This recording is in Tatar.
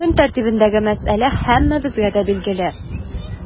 Көн тәртибендәге мәсьәлә һәммәбезгә дә билгеле.